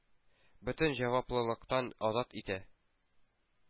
Бөтен җаваплылыктан азат итә.